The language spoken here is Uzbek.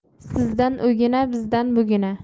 sizdan ugina bizdan bugina